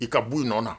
I ka bɔ i nɔ na